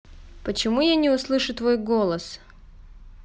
почему я не услышу твой голос